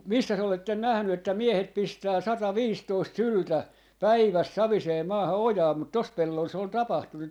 - missäs olette nähnyt että miehet pistää sataviisitoista syltä päivässä saviseen maahan ojaan mutta tuossa pellolla se oli tapahtunut